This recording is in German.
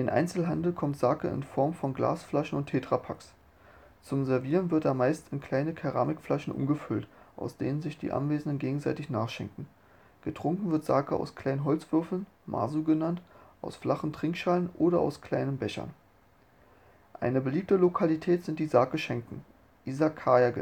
Einzelhandel kommt Sake in Form von Glasflaschen und Tetrapaks. Zum Servieren wird er meist in kleine Keramikflaschen umgefüllt, aus denen sich die Anwesenden gegenseitig nachschenken. Getrunken wird Sake aus kleinen Holzwürfeln (Masu), aus flachen Trinkschalen oder aus kleinen Bechern. Eine beliebte Lokalität sind die Sake-Schenken (Izakaya